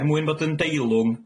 Er mwyn bod yn deilwng,